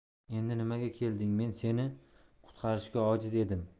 endi nimaga kelding men seni qutqarishga ojiz edim